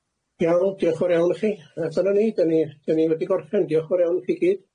Iawn, diolch yn fawr iawn i chi. A dyna ni, da ni da ni wedi gorffen. Diolch yn fawr iawn i chi i gyd.